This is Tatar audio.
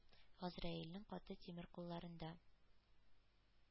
Газраилнең каты тимер кулларында.